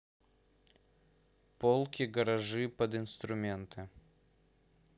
полки гаражи под инструменты